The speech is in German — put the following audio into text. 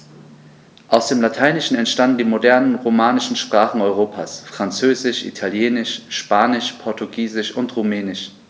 Aus dem Lateinischen entstanden die modernen „romanischen“ Sprachen Europas: Französisch, Italienisch, Spanisch, Portugiesisch und Rumänisch.